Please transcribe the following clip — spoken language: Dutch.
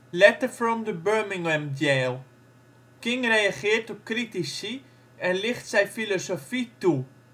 Letter from the Birmingham Jail. King reageert op critici en licht zijn filosofie toe